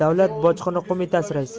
davlat bojxona qo'mitasi raisi